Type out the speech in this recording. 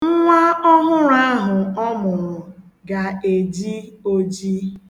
Nwa ọhụrụ ahụ ọ mụrụ ga-eji oji.